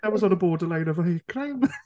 that was on the borderline of a hate crime